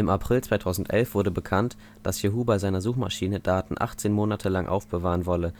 April 2011 wurde bekannt, dass Yahoo bei seiner Suchmaschine Daten 18 Monate lang aufbewahren wolle